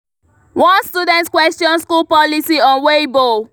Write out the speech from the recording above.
One student questioned school policy on Weibo: